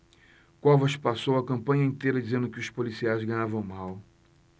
covas passou a campanha inteira dizendo que os policiais ganhavam mal